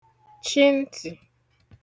chi ntì